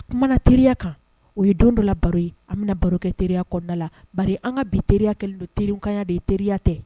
A kumana na teriya kan o ye don dɔ la baro ye an bɛna na baro kɛ teriya kɔnɔna la, bari an ka bi teriya kɛlen don teri n kan ya, teriya tɛ!